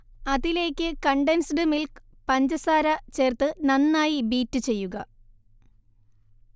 അതിലേക്ക് condensed milk, പഞ്ചസാര ചേർത്ത് നന്നായി ബീറ്റ് ചെയ്യുക